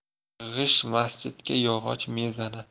g'isht masjidga yog'och mezana